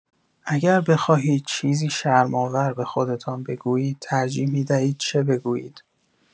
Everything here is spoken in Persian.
اگر بخواهید چیزی شرم‌آور به خودتان بگویید، ترجیح می‌دهید چه بگویید؟